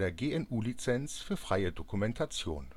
GNU Lizenz für freie Dokumentation